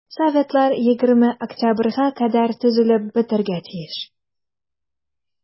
Советлар 20 октябрьгә кадәр төзелеп бетәргә тиеш.